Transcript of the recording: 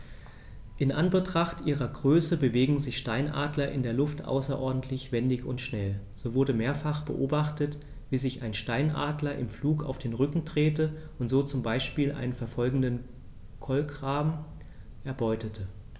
In Anbetracht ihrer Größe bewegen sich Steinadler in der Luft außerordentlich wendig und schnell, so wurde mehrfach beobachtet, wie sich ein Steinadler im Flug auf den Rücken drehte und so zum Beispiel einen verfolgenden Kolkraben erbeutete.